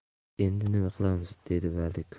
endi nima qilamiz dedi